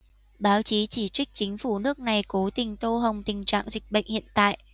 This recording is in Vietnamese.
báo chí chỉ trích chính phủ nước này cố tình tô hồng tình trạng dịch bệnh hiện tại